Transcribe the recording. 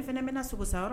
Ne fana bɛna sogo sa